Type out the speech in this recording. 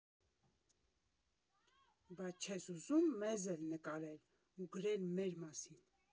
Բա չե՞ս ուզում մեզ էլ նկարել ու գրել մեր մասին։